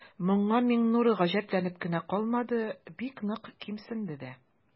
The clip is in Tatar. Моңа Миңнур гаҗәпләнеп кенә калмады, бик нык кимсенде дә.